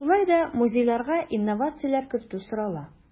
Шулай да музейларга инновацияләр кертү сорала.